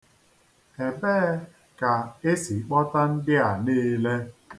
Ebee ka e si akpọta ndị a niile.